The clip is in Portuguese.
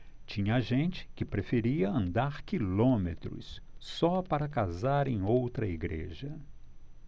tinha gente que preferia andar quilômetros só para casar em outra igreja